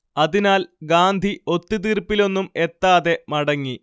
അതിനാൽ ഗാന്ധി ഒത്ത്തീർപ്പിലൊന്നും എത്താതെ മടങ്ങി